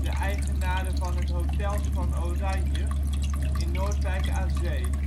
eigenaren van het Hotels van Oranje in Noordwijk aan Zee